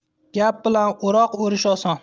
gap bilan o'roq o'rish oson